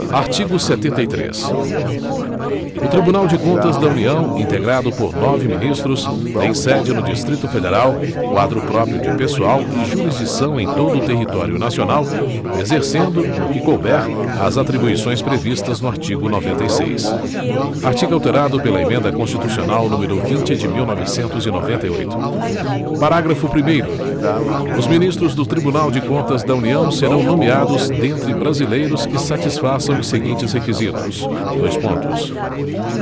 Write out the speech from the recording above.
artigo setenta e três o tribunal de contas da união integrado por nove ministros tem sede no distrito federal quadro próprio de pessoal e jurisdição em todo o território nacional exercendo no que couber as atribuições previstas no artigo noventa e seis artigo alterado pela emenda constitucional número vinte de mil novecentos e noventa e oito parágrafo primeiro os ministros do tribunal de contas da união serão nomeados dentre brasileiros que satisfaçam os seguintes requisitos dois pontos